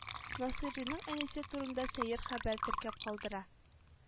Насыйриның әнисе турында сәер хәбәр теркәп калдыра